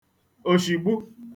òshigbu